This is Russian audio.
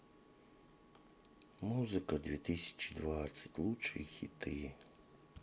музыка две тысячи двадцать лучшие хиты